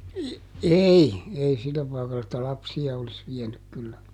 - ei ei sillä paikalla että lapsia olisi vienyt kyllä